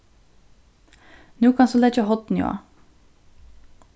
nú kanst tú leggja hornið á